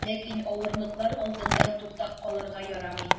Ләкин авырлыклар алдында туктап калырга ярамый.